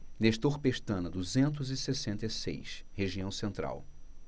nestor pestana duzentos e sessenta e seis região central